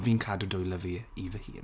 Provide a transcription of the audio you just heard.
fi'n cadw dwylo fi i fy hun.